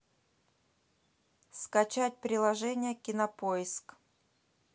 скачать приложение кинопоиск